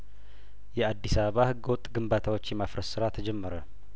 የአዲስ አበባ ህገ ወጥ ግንባታዎች የማፍረስ ስራ ተጀመረ